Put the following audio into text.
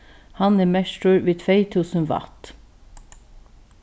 hann er merktur við tvey túsund watt